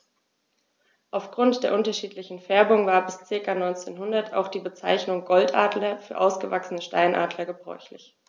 Auf Grund der unterschiedlichen Färbung war bis ca. 1900 auch die Bezeichnung Goldadler für ausgewachsene Steinadler gebräuchlich.